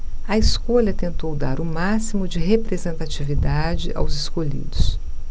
a escolha tentou dar o máximo de representatividade aos escolhidos